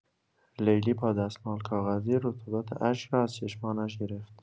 لیلی با دستمال کاغذی، رطوبت اشک را از چشمانش گرفت.